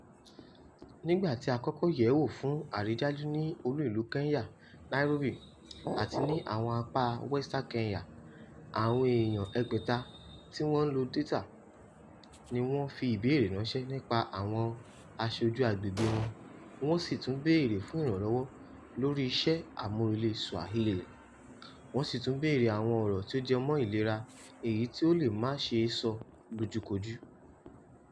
Nígbà tí a kọ́kọ́ yẹ̀ẹ́ wò fún àrîdájú ní olú ìlú Kenya, Nairobi, àti ní àwon apá Western Kenya, àwọn èèyàn 600 ti wọ́n ń lo beta ni wọn fi ìbéèrè ránṣẹ́ nípa àwọn aṣojú àgbègbè wọn, wọ́n sì tún béèrè fún ìrànlọ́wọ́ lórí isẹ́ àmúleré Swahili, wọ́n sì tún béèrè àwọn ọ̀rọ̀ tó jẹ mọ́ ìlera èyí tí ó lè má ṣeé sọ lójúkojú.